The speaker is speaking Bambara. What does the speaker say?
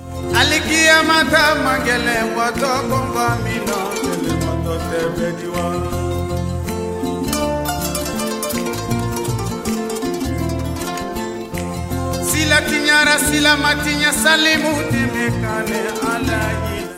Alikiyama tɛ man kɛnɛ wa ba min la sirakiya silalamatiɲɛ sa mu tile ka ni ala ye